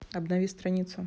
обнови страницу